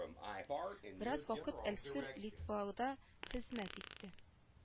Бераз вакыт әлсүр литвада хезмәт итте